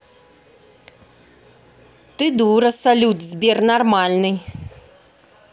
ты дура салют сбер нормальный